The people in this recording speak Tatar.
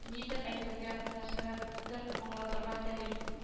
— нидер әйтергә, нәрсәләрдер аңлатырга тели